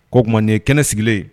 O tuma nin ye kɛnɛ sigilen ye